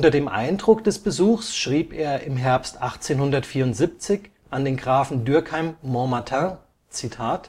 dem Eindruck des Besuchs schrieb er im Herbst 1874 an den Grafen Dürckheim-Montmartin: „ …wie an